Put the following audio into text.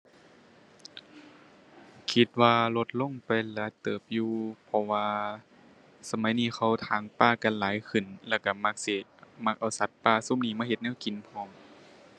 คิดว่าลดลงไปหลายเติบอยู่ เพราะว่าสมัยนี้เขาถางป่ากันหลายขึ้น แล้วก็มักสิ มักเอาสัตว์ป่าซุมนี้มาเฮ็ดแนวกินพร้อม